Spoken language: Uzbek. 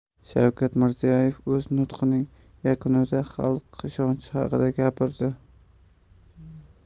shavkat mirziyoyev o'z nutqining yakunida xalq ishonchi haqida gapirdi